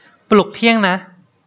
ปลุกเที่ยงนะ